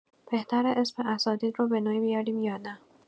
بهتره اسم اساتید رو به‌نوعی بیاریم یا نه؟